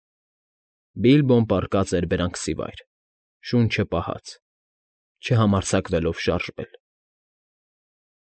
Բիլբոն պառկած էր բերանքսնիվայր, շունչը պահած, չհամարձակվելով շարժվել։